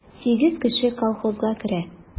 Сигез кеше колхозга керә.